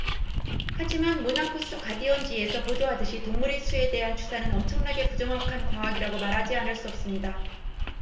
하지만 모나쿠스 가디언 지에서 보도하듯이 동물의 수에 대한 추산은 엄청나게 부정확한 과학이라고 말하지 않을 수 없습니다